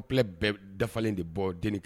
Aw filɛ bɛɛ dafalen de bɔ den